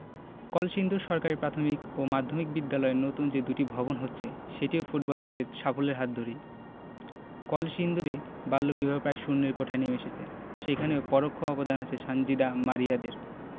কলসিন্দুর সরকারি প্রাথমিক ও মাধ্যমিক বিদ্যালয়ে নতুন যে দুটি ভবন হচ্ছে সেটিও ফুটবলারদের সাফল্যের হাত ধরেই কলসিন্দুরে বাল্যবিবাহ প্রায় শূন্যের কোঠায় নেমে এসেছে সেখানেও পরোক্ষ অবদান আছে সানজিদা মারিয়াদের